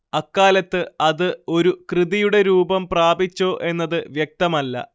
അക്കാലത്ത് അത് ഒരു കൃതിയുടെ രൂപം പ്രാപിച്ചോ എന്നത് വ്യക്തമല്ല